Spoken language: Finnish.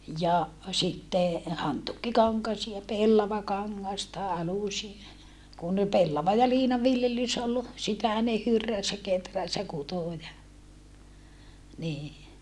ja sitten hantuukikankaisia ja pellavakangasta alusia ja kun pellava ja liina viljelys oli sitä ne hyrräsi ja kehräsi ja kutoi ja niin